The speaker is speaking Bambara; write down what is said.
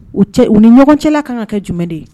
U u ni ɲɔgɔncɛ ka kan kɛ jumɛn de ye